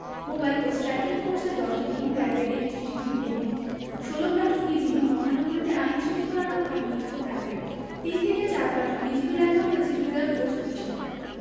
mobile ও striking ফোর্সের ১০টি টিম র ্যাবের ৩১টি টিম এবং ১৬ প্লাটুন বিজিবি মহানগরীতে আইন শৃঙ্খলা রক্ষায় নিয়োজিত থাকবে তিন থেকে চার প্লাটুন বিজিবি রাখা হয়েছে রিজার্ভ ফোর্স হিসেবে